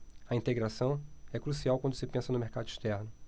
a integração é crucial quando se pensa no mercado externo